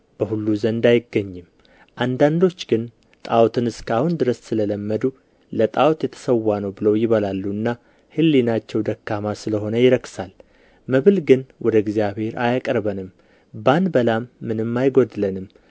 በሁሉ ዘንድ አይገኝም አንዳንዶች ግን ጣዖትን እስከ አሁን ድረስ ስለ ለመዱ ለጣዖት የተሠዋ ነው ብለው ይበላሉና ሕሊናቸው ደካማ ስለ ሆነ ይረክሳል መብል ግን ወደ እግዚአብሔር አያቀርበንም ባንበላም ምንም አይጎድለንም